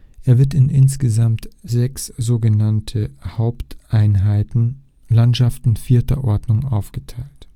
wird in insgesamt sechs sogenannte Haupteinheiten (Landschaften 4. Ordnung) aufgeteilt